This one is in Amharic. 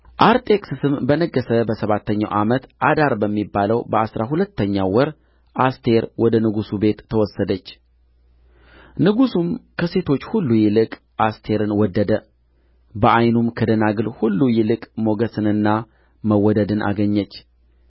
አርጤክስስም በነገሠ በሰባተኛው ዓመት አዳር በሚባለው በአሥራ ሁለተኛው ወር አስቴር ወደ ንጉሡ ቤት ተወሰደች ንጉሡም ከሴቶች ሁሉ ይልቅ አስቴርን ወደደ በዓይኑም ከደናግል ሁሉ ይልቅ ሞገስንና መወደድን አገኘች